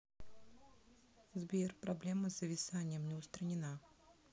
сбер проблема с зависанием не устранена